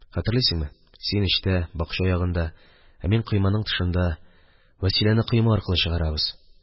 Хәтерлисеңме, син эчтә, бакча ягында, ә мин койманың тышында, Вәсиләне койма аркылы чыгарабыз.